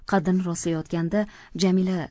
qaddini rostlayotganida jamila